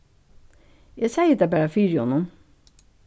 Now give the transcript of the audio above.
eg segði tað bara fyri honum